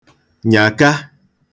nyàka